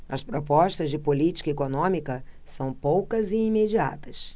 as propostas de política econômica são poucas e imediatas